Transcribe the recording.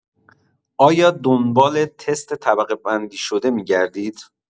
آیا دنبال تست طبقه‌بندی شده می‌گردید؟